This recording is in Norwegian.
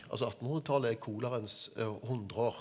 altså attenhundretallet er koleraens 100 år.